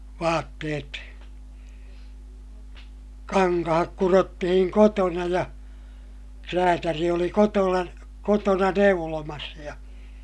vaatteet kankaat kudottiin kotona ja räätäli oli - kotona neulomassa ja